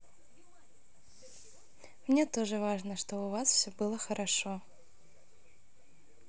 мне тоже важно что у вас все было хорошо